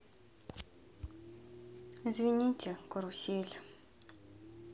извините карусель